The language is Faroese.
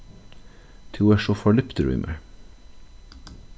tú ert so forliptur í mær